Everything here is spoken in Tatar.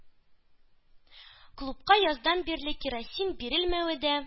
Клубка яздан бирле керосин бирелмәве дә,